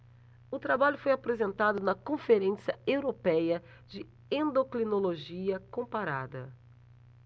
o trabalho foi apresentado na conferência européia de endocrinologia comparada